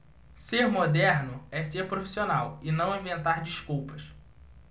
ser moderno é ser profissional e não inventar desculpas